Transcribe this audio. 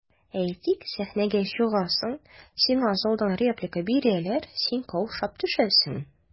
Әйтик, сәхнәгә чыгасың, сиңа залдан реплика бирәләр, син каушап төшәсең.